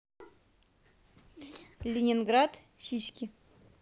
ленинград сиськи